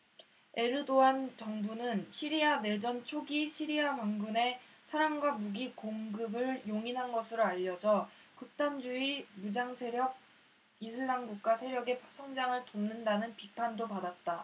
에르도안 정부는 시리아 내전 초기 시리아 반군에 사람과 무기 공급을 용인한 것으로 알려져 극단주의 무장세력 이슬람국가 세력의 성장을 돕는다는 비판도 받았다